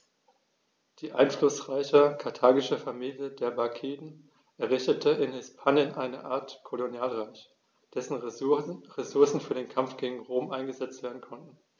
Die einflussreiche karthagische Familie der Barkiden errichtete in Hispanien eine Art Kolonialreich, dessen Ressourcen für den Kampf gegen Rom eingesetzt werden konnten.